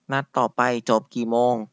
นัดต่อไปจบกี่โมง